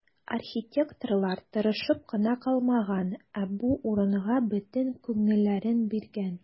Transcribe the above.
Архитекторлар тырышып кына калмаган, ә бу урынга бөтен күңелләрен биргән.